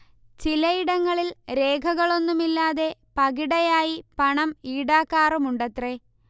ചിലയിടങ്ങളിൽ രേഖകളൊന്നുമില്ലാതെ 'പകിട'യായി പണം ഈടാക്കാറുമുണ്ടത്രെ